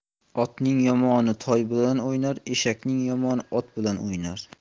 otning yomoni toy bilan o'ynar eshakning yomoni ot bilan o'ynar